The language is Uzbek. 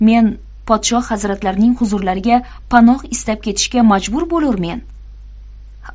men podshoh hazratlarining huzurlariga panoh istab ketishga majbur bo'lurmen